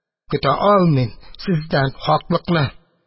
Көтә алмыйм сездән хаклыкны…